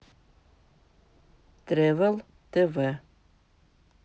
тревел тв